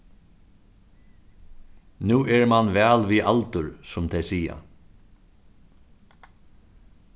nú er mann væl við aldur sum tey siga